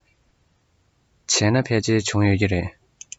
བྱས ན ཕལ ཆེར བྱུང ཡོད ཀྱི རེད